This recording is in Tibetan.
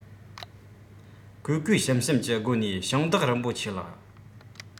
གུས གུས ཞུམ ཞུམ གྱི སྒོ ནས ཞིང བདག རིན པོ ཆེ ལགས